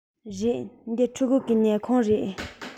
རེད འདི སློབ ཕྲུག གི ཉལ ཁང རེད